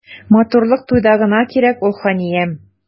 Матурлык туйда гына кирәк ул, ханиям.